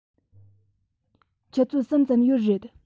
ཆུ ཚོད གསུམ ཙམ ཡོད རེད